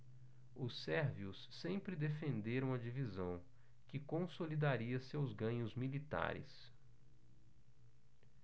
os sérvios sempre defenderam a divisão que consolidaria seus ganhos militares